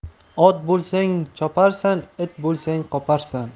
ot bo'lsang choparsan it bo'lsang qoparsan